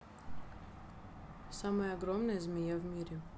самая огромная змея в мире